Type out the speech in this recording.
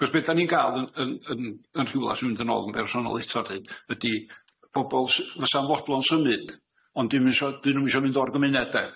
Achos be' 'dan ni'n ga'l yn yn yn Rhiwlas i fynd yn ôl yn bersonol eto ydi ydi bobol s- fysa'n fodlon symud ond dim isho 'dyn nw'm isho mynd o'r gymuned 'de.